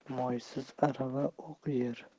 moysiz arava o'q yer